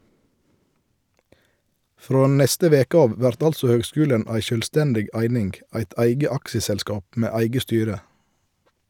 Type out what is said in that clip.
Frå neste veke av vert altså høgskulen ei sjølvstendig eining, eit eige aksjeselskap med eige styre.